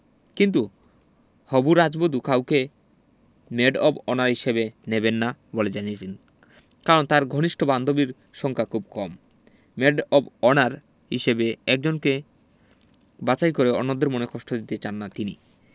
কিন্তু হবু রাজবধূ কাউকেই মেড অব অনার হিসেবে নেবেন না বলে জানিয়েছেন কারণ তাঁর ঘনিষ্ঠ বান্ধবীর সংখ্যা খুব কম মেড অব অনার হিসেবে একজনকে বাছাই করে অন্যদের মনে কষ্ট দিতে চান না তিনি